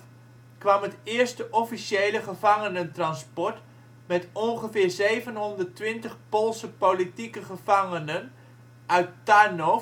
kwam het eerste officiële gevangenentransport met ongeveer 720 Poolse politieke gevangenen uit Tarnów